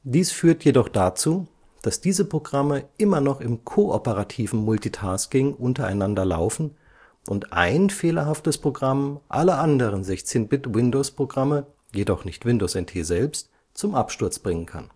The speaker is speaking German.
Dies führt jedoch dazu, dass diese Programme immer noch im kooperativen Multitasking untereinander laufen und ein fehlerhaftes Programm alle anderen 16-Bit-Windowsprogramme (jedoch nicht Windows NT selbst) zum Absturz bringen kann